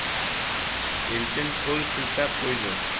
elchin qo'l siltab qo'ydi